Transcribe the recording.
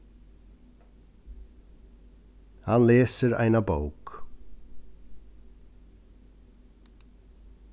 hann lesur eina bók